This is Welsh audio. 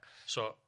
So...